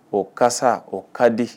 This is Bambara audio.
O kasa o ka di